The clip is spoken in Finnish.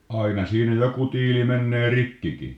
aina siinä joku tiili menee rikkikin